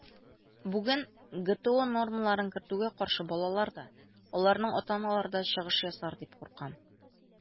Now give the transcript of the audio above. Бүген ГТО нормаларын кертүгә каршы балалар да, аларның ата-аналары да чыгыш ясар дип куркам.